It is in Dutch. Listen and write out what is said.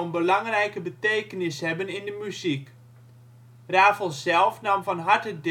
belangrijke betekenis hebben in de muziek. Ravel zelf nam van harte